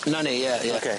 'Na ni ie ie. Oce.